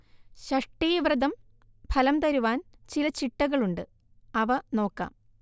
ഷഷ്ഠീവ്രതം ഫലം തരുവാൻ ചില ചിട്ടകളുണ്ട് അവ നോക്കാം